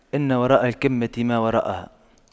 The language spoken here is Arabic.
إن وراء الأَكَمةِ ما وراءها